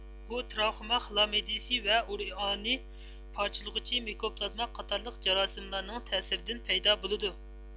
ئۇ تراخوما خىلامديىسى ۋە ئۇرېئانى پارچىلىغۇچى مىكوپلازما قاتارلىق جاراسىملارنىڭ تەسىرىدىن پەيدا بولىدۇ